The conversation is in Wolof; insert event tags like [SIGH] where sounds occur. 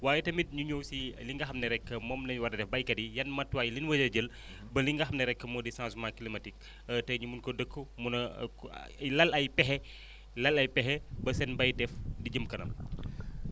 waaye tamit ñu ñëw si li nga xam ne rek moom la ñu war di def béykat yi yan matuwaay la ñu war a jël [BREATH] ba li nga xam ne rek moo di changement climatique [BREATH] tey ñu mun ko dëkku mun a [HESITATION] lal ay pexe [BREATH] lal ay pexe ba seen mbéyteef di jëm kanam [NOISE]